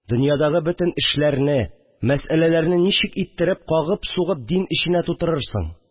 Дөньядагы бөтен эшләрне, мәсьәләләрне ничек иттереп кагып-сугып дин эченә тутырырсың